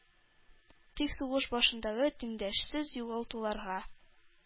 Тик сугыш башындагы тиңдәшсез югалтуларга,